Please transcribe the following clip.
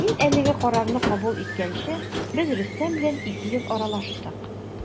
Мин әлеге карарны кабул иткәнче без Рөстәм белән ике ел аралаштык.